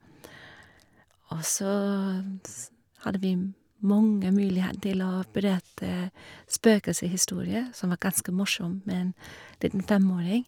Og så s hadde vi m mange mulighet til å berette spøkelseshistorier, som var ganske morsomt med en liten femåring.